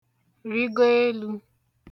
rị̀go elū